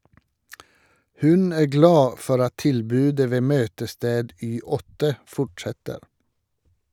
Hun er glad for at tilbudet ved Møtested Y8 fortsetter.